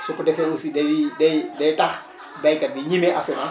su ko defee aussi day day day tax béykat bi ñeme assurance